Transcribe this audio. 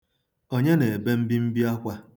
Onye na-ebe mbimbiakwā?